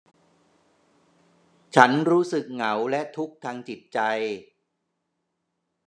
ฉันรู้สึกเหงาและทุกข์ทางจิตใจ